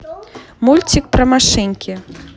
мультик про машинки